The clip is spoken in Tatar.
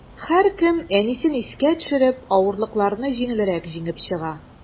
Һәркем, әнисен искә төшереп, авырлыкларны җиңелрәк җиңеп чыга.